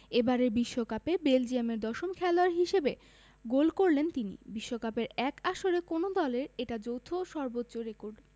এবারের বিশ্বকাপে বেলজিয়ামের দশম খেলোয়াড় হিসেবে গোল করলেন তিনি বিশ্বকাপের এক আসরে কোনো দলের এটা যৌথ সর্বোচ্চ রেকর্ড